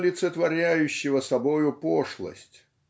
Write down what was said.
олицетворяющего собою пошлость.